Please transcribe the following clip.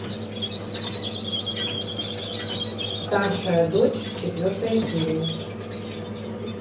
старшая дочь четвертая серия